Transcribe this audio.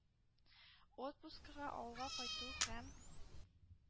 Отпускыга авылга кайту һәм